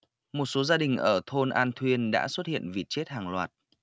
một số gia đình ở thôn an thuyên đã xuất hiện vịt chết hàng loạt